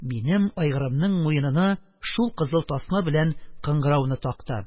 Минем айгырымның муенына шул кызыл тасма белән кыңгырауны такты.